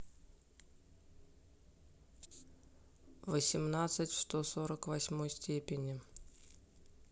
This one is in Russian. восемнадцать в сто сорок восьмой степени